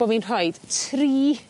bo' fi'n rhoid tri